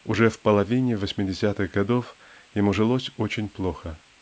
Уже в половине восьмидесятых годов ему жилось очень плохо